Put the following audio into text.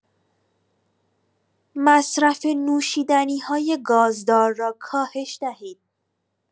مصرف نوشیدنی‌های گازدار را کاهش دهید.